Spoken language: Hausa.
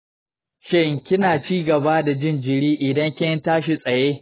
shin kina ci gaba da jin jiri idan kin tashi tsaye?